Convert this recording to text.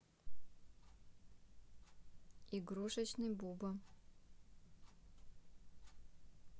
игрушечный буба